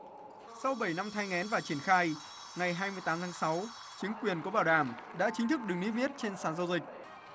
sau bảy năm thai nghén và triển khai ngày hai mươi tám tháng sáu chính quyền có bảo đảm đã chính thức được niêm yết trên sàn giao dịch